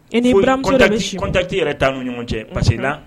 I ni bɔralankun dakuntati yɛrɛ taa ni ɲɔgɔn cɛ mala